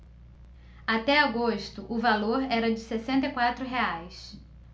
até agosto o valor era de sessenta e quatro reais